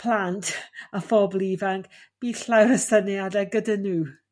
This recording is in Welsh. plant a phobl ifanc bydd llai o syniadau gyda n'w